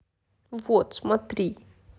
вот смотри